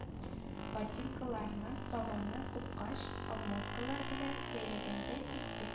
Ботинкаларның табаны купкач обмоткалар белән бәйләгәндәй иттек